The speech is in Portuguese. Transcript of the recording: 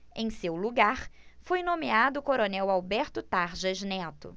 em seu lugar foi nomeado o coronel alberto tarjas neto